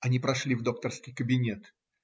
Они прошли в докторский кабинет